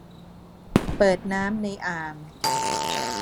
เปิดน้ำในอ่าง